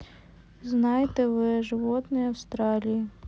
знай тв животные австралии